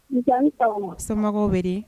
Ne ba ani sɔgɔma, somɔgɔw bɛ di?